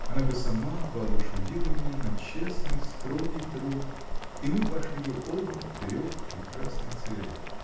она бы сама воодушевила меня на честный, строгий труд, и мы пошли бы оба вперед к прекрасной цели.